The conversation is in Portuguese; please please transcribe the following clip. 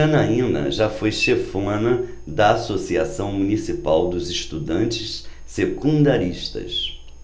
janaina foi chefona da ames associação municipal dos estudantes secundaristas